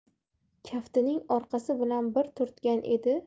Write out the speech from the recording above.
kaftining orqasi bilan bir turtgan edi